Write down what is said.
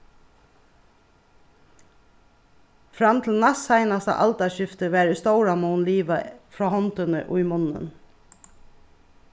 fram til næstseinasta aldarskifti var í stóran mun livað frá hondini í munnin